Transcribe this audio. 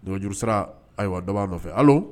Donj juru sera ayiwa dɔ nɔfɛ